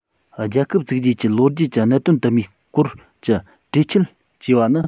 རྒྱལ ཁབ བཙུགས རྗེས ཀྱི ལོ རྒྱུས ཀྱི གནད དོན དུ མའི སྐོར གྱི གྲོས ཆོད ཅེས པ ནི